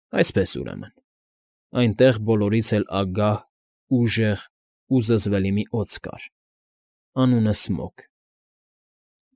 Այսպես, ուրեմն, այնտեղ բոլորից էլ ագահ, ուժեղ ու զզվելի մի օձ կար, անունը Սմոգ։